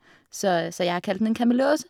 så Så jeg har kalt den en Kamelose.